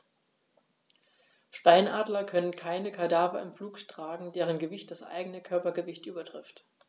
Steinadler können keine Kadaver im Flug tragen, deren Gewicht das eigene Körpergewicht übertrifft.